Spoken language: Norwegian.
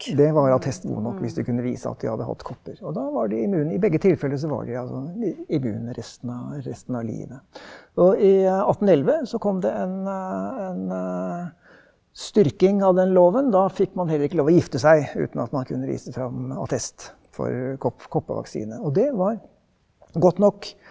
det var attest god nok hvis de kunne vise at de hadde hatt kopper, og da var det immun i begge tilfeller så var det altså immune resten av resten av livet, og i 1811 så kom det en en styrking av den loven, da fikk man heller ikke lov å gifte seg uten at man kunne vise fram attest for koppevaksine og det var godt nok.